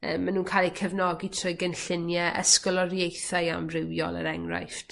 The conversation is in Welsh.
Yym ma' nw'n ca'l eu cefnogi trwy gynllunie ysgoloriaethau amrywiol er enghraifft.